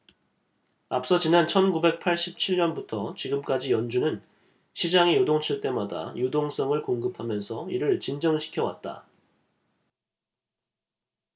앞서 지난 천 구백 팔십 칠 년부터 지금까지 연준은 시장이 요동칠 때마다 유동성을 공급하면서 이를 진정시켜 왔다